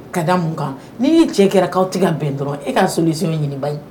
Ka da mun kan n'i y'i cɛ kɛrakaw tɛ ka bɛn dɔrɔn e k kaa solise ɲiniba ye